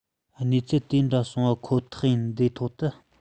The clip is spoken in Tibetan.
གནས ཚུལ དེ འདྲ བྱུང བ ཁོ ཐག ཡིན འདིའི ཐོག དུ